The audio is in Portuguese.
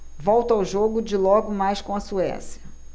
volto ao jogo de logo mais com a suécia